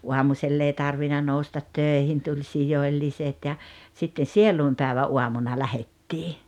aamusella ei tarvinnut nousta töihin tuli sijoilliset ja sitten sielunpäivän aamuna lähdettiin